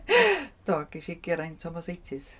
Do, ges i Geraint Thomas-itis.